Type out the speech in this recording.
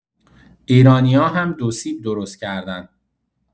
ایرانی‌‌ها هم دوسیب درست‌کردن.